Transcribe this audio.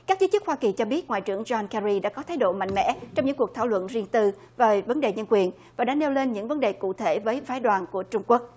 các giới chức hoa kỳ cho biết ngoại trưởng gion ke ri đã có thái độ mạnh mẽ trong những cuộc thảo luận riêng tư về vấn đề nhân quyền và đã nêu lên những vấn đề cụ thể với phái đoàn của trung quốc